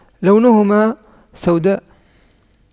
لونهما سوداء